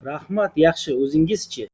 rahmat yaxshi o'zingizchi